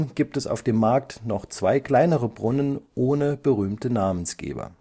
gibt es auf dem Markt noch zwei kleinere Brunnen ohne berühmte Namensgeber